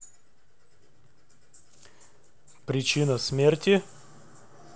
причина смерти